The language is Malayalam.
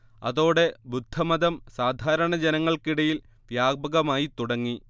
അതോടെ ബുദ്ധമതം സാധാരണ ജനങ്ങൾക്കിടയിൽ വ്യാപകമായിത്തുടങ്ങി